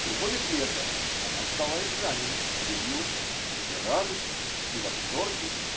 Приходит лето, она сдала экзамены и явилась. Тут и радость, и восторги